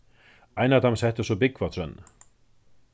ein av teimum setti so búgv á trøðni